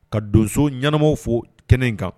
Ka donso ɲɛnaanamaw fo kɛnɛ kan